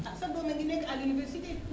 ah sa doom mu ngi nekk à l' université